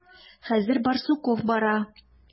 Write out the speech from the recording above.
Хәзер Барсуков бара.